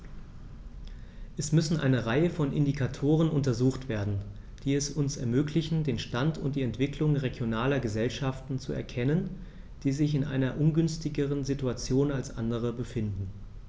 Es müssen eine Reihe von Indikatoren untersucht werden, die es uns ermöglichen, den Stand und die Entwicklung regionaler Gesellschaften zu erkennen, die sich in einer ungünstigeren Situation als andere befinden.